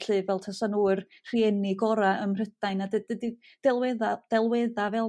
lly fel tasa nhw yr rhieni gora' ym Mhrydain a dy- dydi delwedda' delwedda' fel